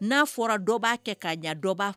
N'a fɔra dɔ b'a kɛ k kaa jaabi dɔba